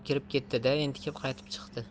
kirib ketdi da entikib qaytib chiqdi